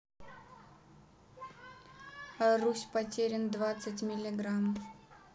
русь потерин двадцать миллиграмм